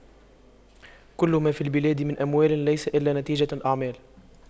كل ما في البلاد من أموال ليس إلا نتيجة الأعمال